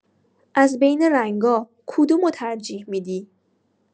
از بین رنگا، کدومو ترجیح می‌دی؟